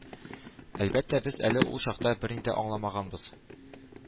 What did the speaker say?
Әлбәттә, без әле ул чакта берни дә аңламаганбыз.